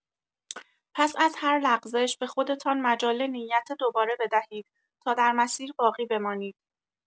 پس از هر لغزش به خودتان مجال نیت دوباره بدهید تا در مسیر باقی بمانید.